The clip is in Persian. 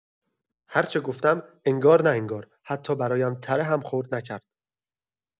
هر چه گفتم، انگار نه انگار، حتی برایم تره هم خرد نکرد!